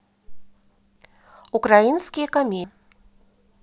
украинские комедии